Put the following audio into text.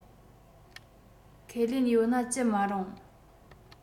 ཁས ལེན ཡོད ན ཅི མ རུང